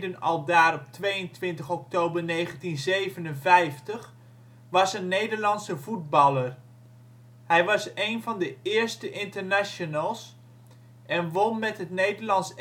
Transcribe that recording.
aldaar, 22 oktober 1957) was een Nederlandse voetballer. Hij was één van de eerste internationals, en won met het Nederlands